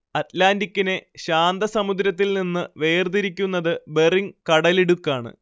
അറ്റ്ലാന്റിക്കിനെ ശാന്തസമുദ്രത്തിൽ നിന്ന് വേർതിരിക്കുന്നത് ബെറിങ്ങ് കടലിടുക്കാണ്